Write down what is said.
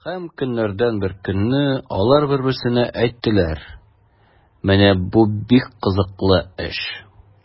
Һәм көннәрдән бер көнне алар бер-берсенә әйттеләр: “Менә бу бик кызыклы эш!”